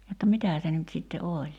jotta mitä se nyt sitten oli